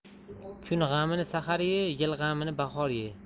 kun g'amini sahar ye yil g'amini bahor ye